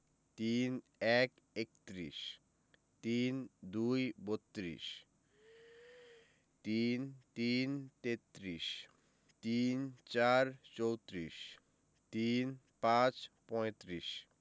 ৩১ - একত্রিশ ৩২ - বত্ৰিশ ৩৩ - তেত্রিশ ৩৪ - চৌত্রিশ ৩৫ - পঁয়ত্রিশ